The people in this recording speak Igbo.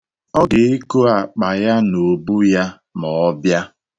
Ọ ga-eko akpa ya n'ubu ya ma ọ bịa